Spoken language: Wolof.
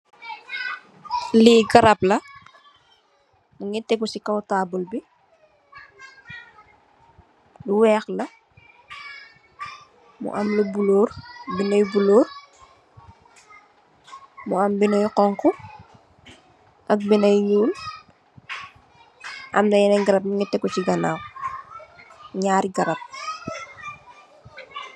Lii garabla mungi tegu si kaw tabule bii lu wekh la mu am lu bulor binda yu bulo mu am binda yu xonxu ak binda yu nyul am yenen garab nyingi tegu si ganaw nyarri garab